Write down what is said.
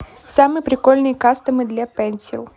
самые прикольные кастомы для пенсил